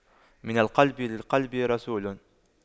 من القلب للقلب رسول